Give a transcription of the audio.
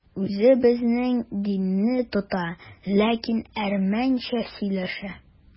Үзе безнең динне тота, ләкин әрмәнчә сөйләшә.